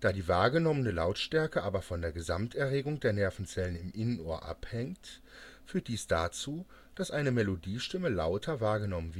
die wahrgenommene Lautstärke aber von der Gesamt-Erregung der Nervenzellen im Innenohr abhängt, führt dies dazu, dass eine Melodiestimme lauter wahrgenommen